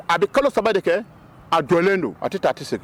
A bɛ kalo saba de kɛ a jɔlen don a tɛ taa tɛ segin